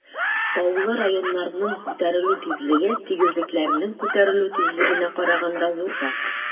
Таулы районнарның күтәрелү тизлеге тигезлекләрнең күтәрелү тизлегенә караганда зуррак.